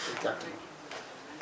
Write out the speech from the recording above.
bu gàtt bi